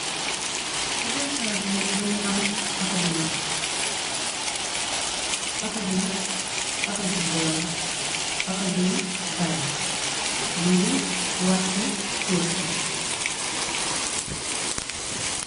Ci biir tol bi mugii am otto bu mak, Otto bi nak otto bu bula la mugèè waxi suuf si.